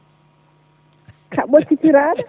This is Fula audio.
ko a ɓoccitoraaɗo